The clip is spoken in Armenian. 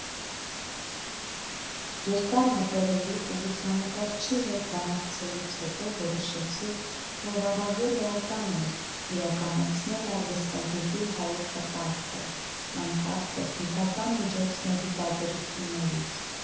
Երկար մտորելուց ու լուսանկարչի հետ բանակցելուց հետո, որոշեցի, որ առավել էական էր իրականացնել արվեստագետի հայեցակարգը՝ անկախ տեխնիկական միջոցների տարբերություններից։